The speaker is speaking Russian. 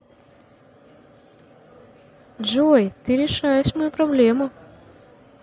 джой ты решаешь мою проблему